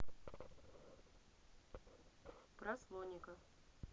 про слоника